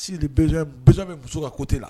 A siz min muso ka kote la